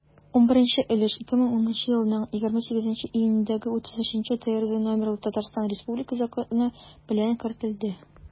11 өлеш 2010 елның 28 июнендәге 33-трз номерлы татарстан республикасы законы белән кертелде.